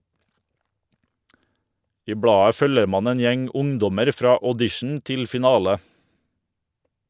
I bladet følger man en gjeng ungdommer fra audition til finale.